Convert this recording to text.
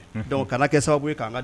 Dɔnku kala kɛ sababu'